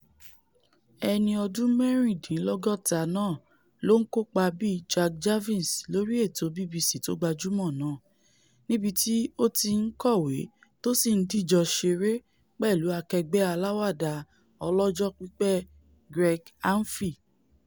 Ẹni ọdún mẹ́rìndínlọ́gọ́ta náà ló ńkópa bíi Jack Jarvis lórí ètò BBC tó gbajúmọ̀ náà, níbití ó ti ńkọ̀wé tó sì ńdìjọ ṣeré pẹ̀lú akẹgbẹ́ aláàwàdà ọlọ́jọ́-pípẹ́ Greg Hemphill.